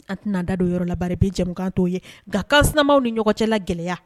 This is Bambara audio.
An tɛn'an da don yɔrɔ la bari bi jamukan t'o ye kansimaaw ni ɲɔgɔn cɛ la gɛlɛya